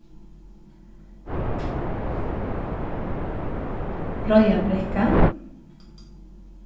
breiðabrekka